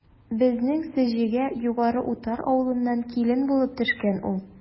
Безнең Сеҗегә Югары Утар авылыннан килен булып төшкән ул.